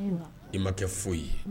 Ayiwa, i ma kɛ fosi ye